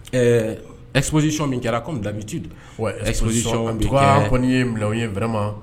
Ɛɛ epsi sɔn min jara kɔmi bilabiti ɛsi bi ko ye bila ye fɛ ma